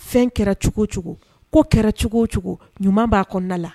Fɛn kɛracogo cogo ko kɛracogo cogo ɲuman b'a kɔnɔna la